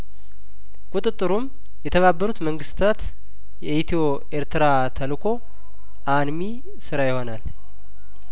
ቁጥጥሩም የተባበሩት መግንስታት የኢትዮ ኤርትራ ተልኮ አንሚስራ ይሆናል